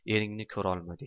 eringni ko'rolmadik